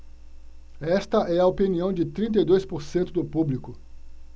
esta é a opinião de trinta e dois por cento do público